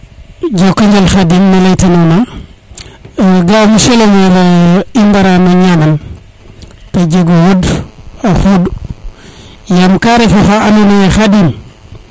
jokonjal Khadim ne ley